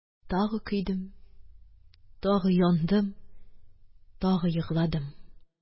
Тагы көйдем, тагы яндым, тагы егладым